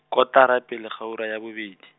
kotara pele ga ura ya bobedi.